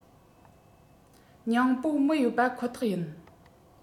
ཉིང པོ མི ཡོད པ ཁོ ཐག ཡིན